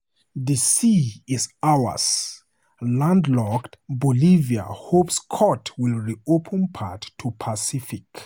The sea is ours': landlocked Bolivia hopes court will reopen path to Pacific